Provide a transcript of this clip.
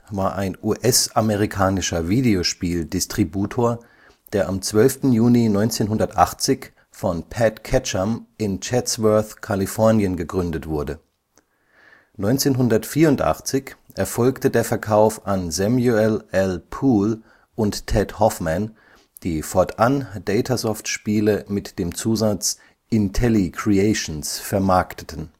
war ein US-amerikanischer Videospiel-Distributor, der am 12. Juni 1980 von Pat Ketchum in Chatsworth, Kalifornien gegründet wurde. 1984 erfolgte der Verkauf an Samuel L. Poole und Ted Hoffman, die fortan Datasoft-Spiele mit dem Zusatz IntelliCreations vermarkteten